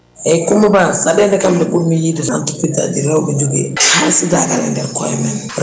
eyyi Coumba Ba caɗele kam ɗe ɓuurmi yiide tan mi * ko joguimi hasidagal e nder koyemen